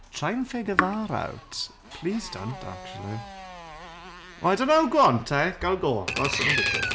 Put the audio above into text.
Try and figure that out. Please don't, actually. Well I don't know, go on te! Gael go, gweld sut mae'n digwydd.